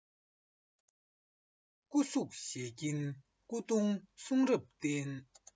སྐུ གཟུགས ཞལ སྐྱིན སྐུ གདུང གསུང རབ རྟེན